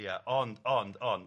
Ia ond ond ond